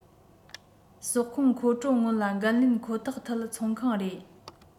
ཟོག ཁུངས མཁོ སྤྲོད སྔོན ལ འགན ལེན ཁོ ཐག ཐད ཚོང ཁང རེད